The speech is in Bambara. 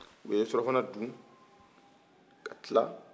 u ye surafana dun ka tila